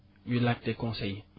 ñuy laajte conseil